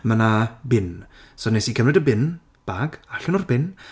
Mae 'na bin. So wnes i cymryd y bin bag allan o'r bin...